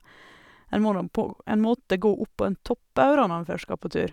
En må nå på g en måte gå opp på en topp òg, da, når en først skal på tur.